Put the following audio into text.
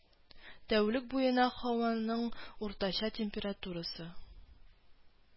Тәүлек буена һаваның уртача температурасы